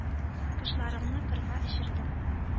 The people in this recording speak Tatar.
Кошларымны кырга очырдым.